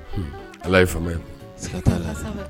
Ala ye fa ye